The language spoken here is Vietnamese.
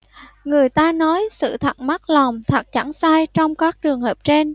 người ta nói sự thật mất lòng thật chẳng sai trong các trường hợp trên